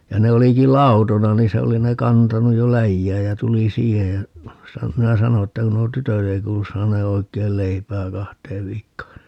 ja ne olikin lautoina niin se oli ne kantanut jo läjään ja tuli siihen ja - minä sanoin että kun nuo tytöt ei kuulu saaneen oikein leipää kahteen viikkoon